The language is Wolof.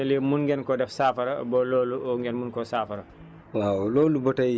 seetlu wu leen loo xam ne lii mun ngeen ko def saafara ba loolu ngeen mun koo saafara